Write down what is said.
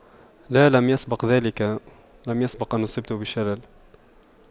لا لم يسبق ذلك لم يسبق ان اصبت بشلل